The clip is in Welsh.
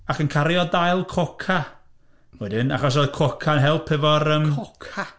Ac yn cario dail coca wedyn, achos oedd coca yn help efo'r... Coca?